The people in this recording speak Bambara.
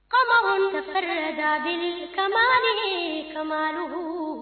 Kabakun bɛ da katigi kumadugu